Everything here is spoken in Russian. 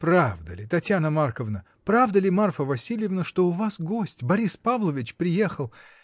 — Правда ли, Татьяна Марковна, правда ли, Марфа Васильевна, что у вас гость: Борис Павлович приехал?